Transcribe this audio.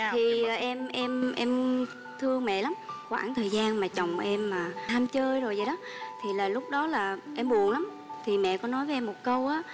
thì em em em thương mẻ lắm quảng thời gian mà chồng em mà ham chơi rồi dầy đó thì là lúc đó là em buồn lắm thì mẻ có nói với em một câu á